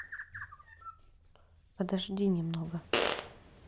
подожди немного